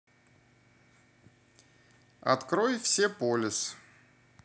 открой все полис